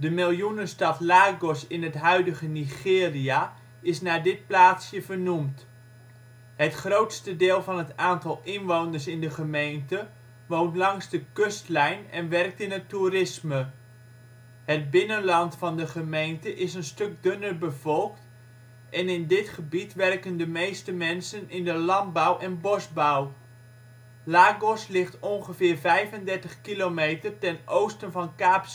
miljoenenstad Lagos in het huidige Nigeria is naar dit plaatsje vernoemd. Het grootste deel van het aantal inwoners in de gemeente woont langs de kustlijn en werkt in het toerisme. Het binnenland van de gemeente is een stuk dunner bevolkt en in dit gebied werken de meeste mensen in de landbouw en bosbouw. Lagos ligt ongeveer 35 kilometer ten oosten van Kaap